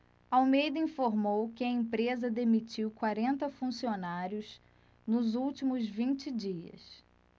almeida informou que a empresa demitiu quarenta funcionários nos últimos vinte dias